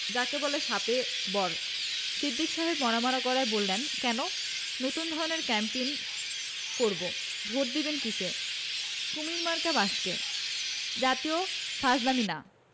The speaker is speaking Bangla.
যাকে বলে শাপে বর সিদ্দিক সাহেব মরা মরা গলায় বললেন কেন নতুন ধরনের ক্যাম্পেইন করব ভোট দিবেন কিসে কুমীর মার্কা বাক্সে জাতীয় ফাজলামী না